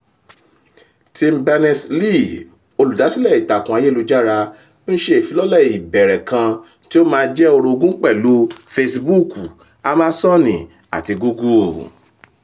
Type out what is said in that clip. Tim Berners-Lee, olùdásílẹ̀ Ìtàkùn ayélujára, ń ṣe ifilọ́lẹ̀ ìbẹ̀rẹ̀ kan tí ó máa jẹ́ orogún pẹ̀lú Facebook, Amazon àti Google.